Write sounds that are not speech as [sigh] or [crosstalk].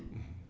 [hesitation] [hesitation]